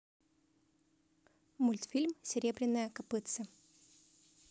мультфильм серебряное копытце